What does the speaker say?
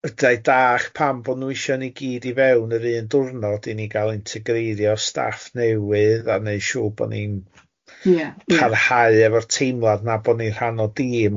Ydrai dach pam bod nhw isio ni gyd i fewn yr un dwrnod i ni gael integreirio staff newydd a wneud siŵr bod ni'n... Ia ia. ....parhau efo'r teimlad yna bod ni rhan o dîm.